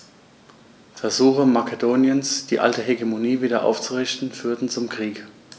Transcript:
Versuche Makedoniens, die alte Hegemonie wieder aufzurichten, führten zum Krieg.